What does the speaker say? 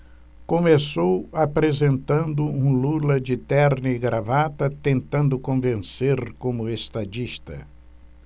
começou apresentando um lula de terno e gravata tentando convencer como estadista